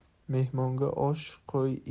mehmonga osh qo'y